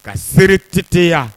Ka se tɛ tɛ yan